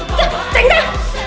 tránh ra